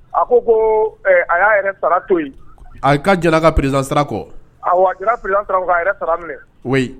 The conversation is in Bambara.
A ko ko a y'a yɛrɛ sara to yen a ka jɛnna a ka président sara kɔ, awɔ a jɛnna président sara kɔ k'a yɛrɛ minɛ oui